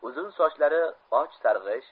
uzun sochlari och sarg'ish